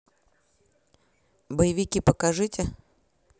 боевики покажите